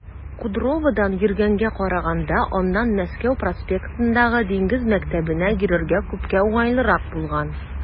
Кудроводан йөргәнгә караганда аннан Мәскәү проспектындагы Диңгез мәктәбенә йөрергә күпкә уңайлырак булган.